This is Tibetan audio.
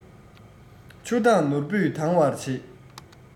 ཆུ མདངས ནོར བུས དྭངས པར བྱེད